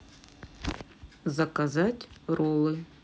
заказать роллы